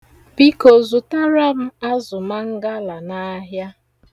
Biko zụtara m azụ mangala n'ahịa.